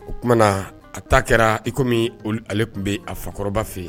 O tumana na a ta kɛra iko min ale tun bɛ a fakɔrɔba fɛ yen